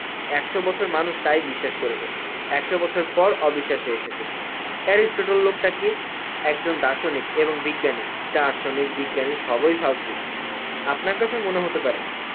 ১০০ বছর মানুষ তাই বিশ্বাস করেছে ১০০ বছর পর অবিশ্বাস এসেছে এরিস্টোটল লোকটা কে একজন দার্শনিক এবং বিজ্ঞানী দারশনিক বিজ্ঞানি সবই ফালতু আপনার কাছে মনে হতে পারে